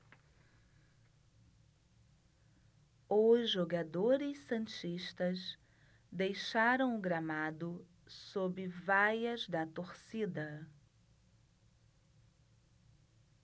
os jogadores santistas deixaram o gramado sob vaias da torcida